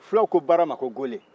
fulaw ko baara ma ko gole